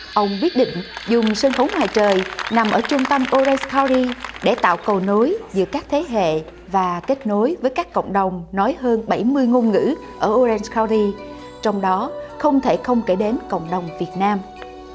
ông quyết định dùng sân khấu ngoài trời nằm ở trung tâm ô ren cao đi để tạo cầu nối giữa các thế hệ và kết nối với các cộng đồng nói hơn bảy mươi ngôn ngữ ở ô ren cao đi trong đó không thể không kể đến cộng đồng việt nam